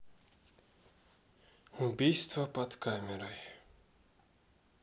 убийство под камерой